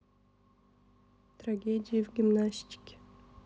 трагедии в гимнастике